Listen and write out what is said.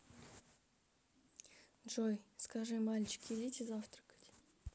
джой скажи мальчики идите завтракать